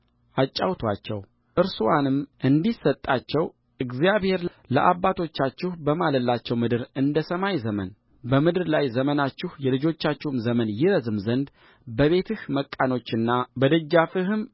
አጫውቱአቸውእርስዋንም እንዲሰጣቸው እግዚአብሔር ለአባቶቻችሁ በማለላቸው ምድር እንደ ሰማይ ዘመን በምድር ላይ ዘመናችሁ የልጆቻችሁም ዘመን ይረዝም ዘንድ በቤትህ መቃኖችና በደጃፍህም